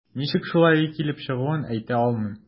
Ничек шулай килеп чыгуын әйтә алмыйм.